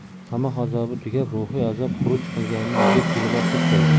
qamoq azobi tugab ruhiy azob xuruj qilganini uyga keliboq his qildi